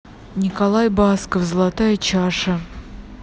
николай басков золотая чаша